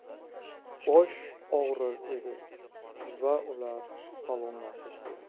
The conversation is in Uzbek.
bosh og'rir edi va ular salomlashishdi